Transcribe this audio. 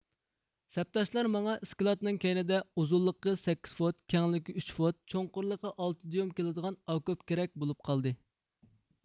سەپداشلار ماڭا ئىسكىلاتنىڭ كەينىدە ئۇزۇنلۇقى سەككىز فوت كەڭلىكى ئۈچ فوت چوڭقۇرلۇقى ئالتە دىيۇم كېلىدىغان ئاكوپ كېرەك بولۇپ قالدى